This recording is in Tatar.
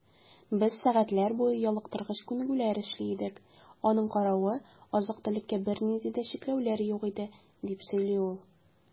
Без сәгатьләр буе ялыктыргыч күнегүләр эшли идек, аның каравы, азык-төлеккә бернинди дә чикләүләр юк иде, - дип сөйли ул.